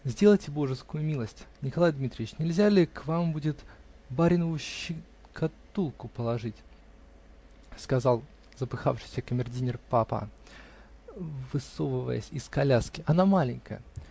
-- Сделайте божескую милость, Николай Дмитрич, нельзя ли к вам будет баринову щикатулку положить, -- сказал запыхавшийся камердинер папа, высовываясь из коляски, -- она маленькая.